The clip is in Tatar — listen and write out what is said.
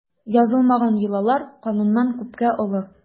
Язылмаган йолалар кануннан күпкә олы.